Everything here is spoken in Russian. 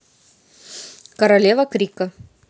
королева крика